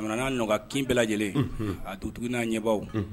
Ɲamana n'a nɔkan kin bɛɛ lajɛlen unhun a dugutigi n'a ɲɛbaw unh